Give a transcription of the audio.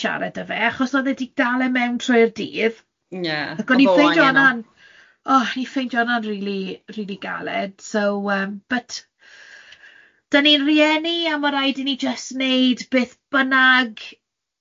siarad 'da fe, achos oedd e 'di dal e mewn trwy'r dydd. Ie. O'dd o angen o. Ac o'n i'n ffeindio hwnna'n- o'n i'n ffeindio hwna'n rili, rili galed, so yym. But, 'dan ni'n rieni a ma' raid i ni jyst 'neud beth bynnag,